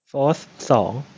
โฟธสอง